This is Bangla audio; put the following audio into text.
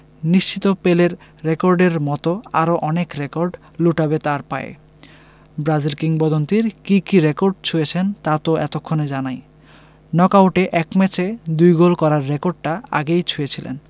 নিশ্চিত পেলের রেকর্ডের মতো আরও অনেক রেকর্ড লুটাবে তাঁর পায়ে ব্রাজিল কিংবদন্তির কী কী রেকর্ড ছুঁয়েছেন তা তো এতক্ষণে জানাই নকআউটে এক ম্যাচে ২ গোল করার রেকর্ডটা আগেই ছুঁয়েছিলেন